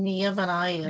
Nia Ben Aur.